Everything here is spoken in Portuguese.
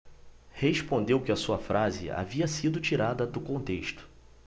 respondeu que a sua frase havia sido tirada do contexto